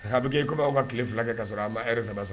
A hake e kuma aw ka tile fila kɛ ka sɔrɔ a ma e sababa sɔrɔ